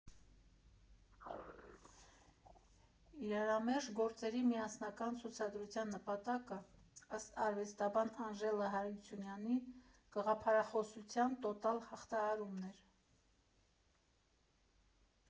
Իրարամերժ գործերի միասնական ցուցադրության նպատակը, ըստ արվեստաբան Անժելա Հարությունյանի՝ գաղափարախոսության տոտալ հաղթահարումն էր.